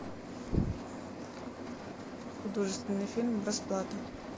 художественный фильм расплата